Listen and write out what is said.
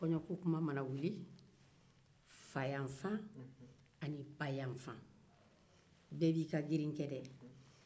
kɔɲɔko kuma mana wuli bayanfan fayanfan bɛɛ bɛ girin kɛ